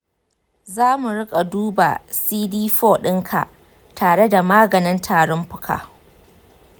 za mu rika duba cd4 ɗinka tare da maganin tarin fuka.